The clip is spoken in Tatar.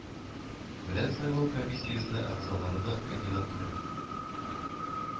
Белән сайлау комиссиясе әгъзалыгына кандидатура